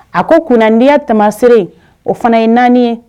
A ko kunnandiya tama se o fana ye naani ye